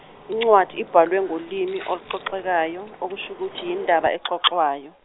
incwadi ibhalwe ngolimi oluxoxekayo, okusho ukuthi yindaba exoxwayo.